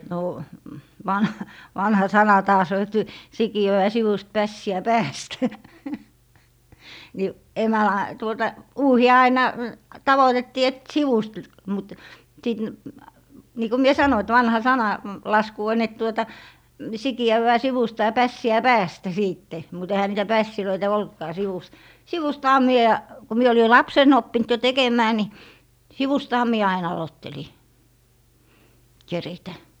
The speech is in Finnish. no - vanha sana taas on että sikiötä sivusta pässiä päästä niin - tuota uuhia aina tavoitettiin että sivusta -- sitten niin kun minä sanoin että vanha - sananlasku on että tuota sikiävää sivusta ja pässiä päästä sitten mutta eihän niitä pässejä ollutkaan sivusta sivustahan minä kun minä oli lapsena oppinut jo tekemään niin sivustahan minä aina aloittelin keritä